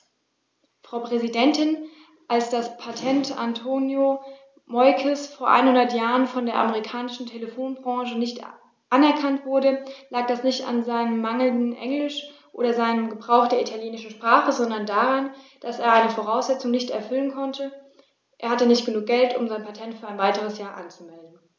Frau Präsidentin, als das Patent Antonio Meuccis vor einhundert Jahren von der amerikanischen Telefonbranche nicht anerkannt wurde, lag das nicht an seinem mangelnden Englisch oder seinem Gebrauch der italienischen Sprache, sondern daran, dass er eine Voraussetzung nicht erfüllen konnte: Er hatte nicht genug Geld, um sein Patent für ein weiteres Jahr anzumelden.